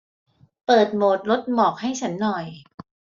เปิดโหมดลดหมอกให้ฉันหน่อย